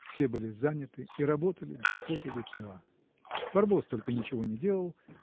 Все были заняты и работали до поту лица. Барбос только ничего не делал